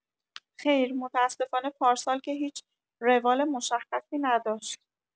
خیر، متاسفانه پارسال که هیچ روال مشخصی نداشت.